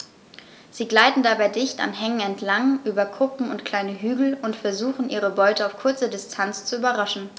Sie gleiten dabei dicht an Hängen entlang, über Kuppen und kleine Hügel und versuchen ihre Beute auf kurze Distanz zu überraschen.